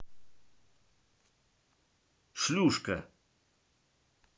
шлюшка